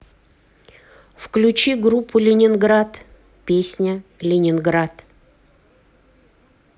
включи группу ленинград песня ленинград